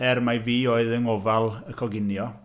Er mai fi oedd yng ngofal y coginio.